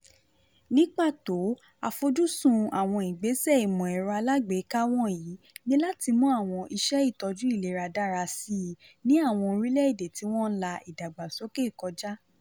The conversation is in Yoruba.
Ní pàtó, àfojúsùn àwọn ìgbésẹ̀ ìmọ̀-ẹ̀rọ alágbèéká wọ̀nyìí ni láti mú àwọn iṣẹ́ ìtọ́jú ìlera dára síi ní àwọn orílẹ̀-èdè tí wọ́n ń la ìdàgbàsókè kọjá.